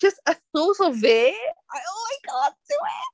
Just y thought o fe, oh, I can't do it!